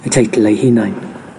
y teitl eu hunain.